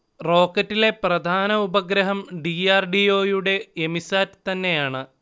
റോക്കറ്റിലെ പ്രധാന ഉപഗ്രഹം D. R. D. O. യുടെ എമിസാറ്റ് തന്നെയാണ്